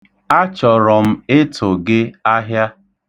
Achọrọ m ịtụ gị ahịa.